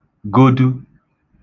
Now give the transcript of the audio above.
godu